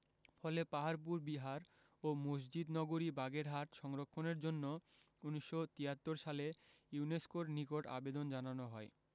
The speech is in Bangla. ফলে পাহারপুর বিহার ও মসজিদ নগরী বাগেরহাট সংরক্ষণের জন্য ১৯৭৩ সালে ইউনেস্কোর নিকট আবেদন জানানো হয়